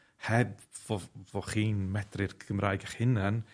heb bo' bo' chi'n medru'r Cymraeg 'ych hunan